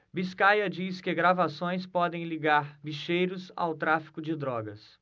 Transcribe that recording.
biscaia diz que gravações podem ligar bicheiros ao tráfico de drogas